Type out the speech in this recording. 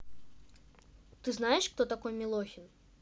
ты знаешь кто такой милохин